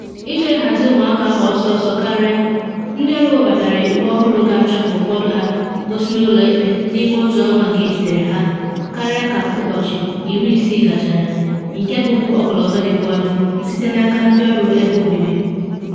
Ịchọ ịhazi ụmụaka ahụ ọsọ ọsọ karịa, ndị ọrụ webatara iwu ọhụrụ ga-achọ ka ụfọdụ ha gosi n’ụlọ ikpe n’ime otu ọnwa nke ejidere ha, karịa ka ụbọchị 60 gachara, nke bubu ọkọlọtọ dịbu adị, site n’aka ndị ọrụ ebe obibi.